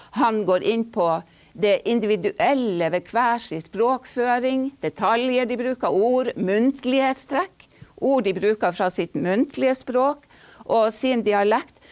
han går inn på det individuelle ved hver sin språkføring, detaljer de bruker, ord, muntlighetstrekk, ord de bruker fra sitt muntlige språk og sin dialekt.